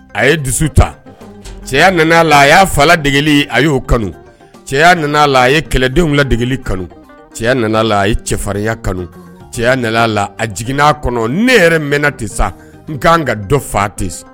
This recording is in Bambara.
A ye dusu ta cɛ nana a la a y'a fa lade a y'o kanu cɛ nana a la a ye kɛlɛdenw lade kanu cɛ nana la a ye cɛfarinya kanu cɛ nana a la a jigin a kɔnɔ ne yɛrɛ mɛnna tɛ sa n ka kan ka dɔ fa ten